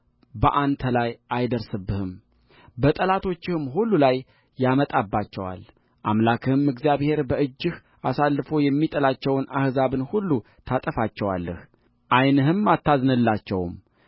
በአንተ ላይ አያደርስብህም በጠላቶችህም ሁሉ ላይ ያመጣባቸዋልአምላክህም እግዚአብሔር በእጅህ አሳልፎ የሚጥላቸውን አሕዛብን ሁሉ ታጠፋቸዋለህ ዓይንህም አታዝንላቸውም